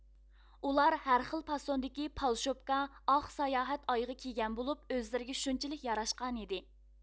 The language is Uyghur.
ئۇلار ھەر خىل پاسوندىكى پالشوپكا ئاق ساياھەت ئايىغى كىيگەن بولۇپ ئۆزىلىرىگە شۇنچىلىك ياراشقانىدى